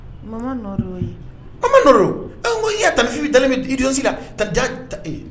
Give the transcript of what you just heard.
Makan an ma ko tafinbi dalen isi ka taja